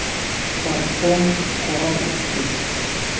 Партком карар итте.